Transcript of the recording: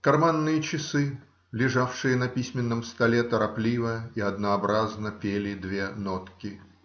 Карманные часы, лежавшие на письменном столе, торопливо и однообразно пели две нотки.